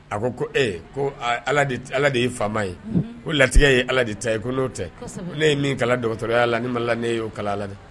A ko ko ee ko Ala de ye faama ye ko latigɛ ye Ala de ta ye ko n'o tɛ ne ye min kalan dɔgɔtɔrɔya la ne man da la ne e y'o kalan a la dɛ.